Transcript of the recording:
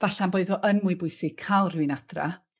falla'n boedd o yn mwy bwysig ca'l rhywun adra